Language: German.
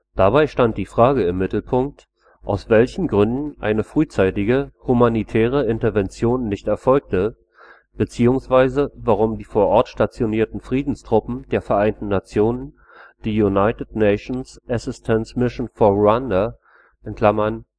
Dabei stand die Frage im Mittelpunkt, aus welchen Gründen eine frühzeitige humanitäre Intervention nicht erfolgte, beziehungsweise warum die vor Ort stationierten Friedenstruppen der Vereinten Nationen, die United Nations Assistance Mission for Rwanda (UNAMIR